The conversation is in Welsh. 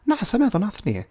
Na sa i'n meddwl wnaethon ni.